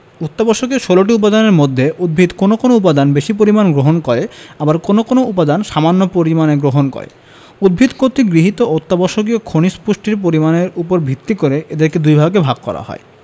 অত্যাবশ্যকীয় ১৬ টি উপাদানের মধ্যে উদ্ভিদ কোনো কোনো উপাদান বেশি পরিমাণে গ্রহণ করে আবার কোনো কোনো উপাদান সামান্য পরিমাণে গ্রহণ করে উদ্ভিদ কর্তৃক গৃহীত অত্যাবশ্যকীয় খনিজ পুষ্টির পরিমাণের উপর ভিত্তি করে এদেরকে দুইভাগে ভাগ করা হয়